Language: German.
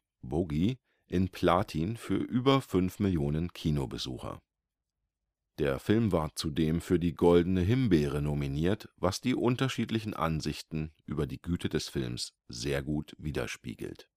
Bogey Platin für über 5 Mio. Kinobesucher Der Film war zudem für die Goldene Himbeere nominiert, was die unterschiedlichen Ansichten über die Güte des Films sehr gut widerspiegelt